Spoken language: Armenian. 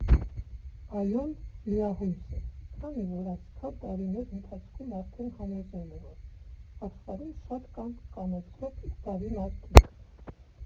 ԱՅՈ֊ն լիահույս է, քանի որ այսքան տարիների ընթացքում արդեն համոզվել է, որ աշխարհում շատ կան կամեցող ու բարի մարդիկ։